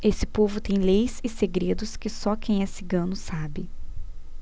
esse povo tem leis e segredos que só quem é cigano sabe